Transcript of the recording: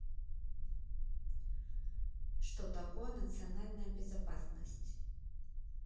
что такое национальная безопасность